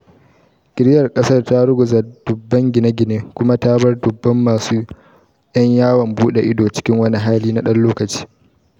Girgizar ta ruguza dubban gine-gine kuma ta bar dubban masu 'yan yawon bude ido cikin wani hali na dan lokaci.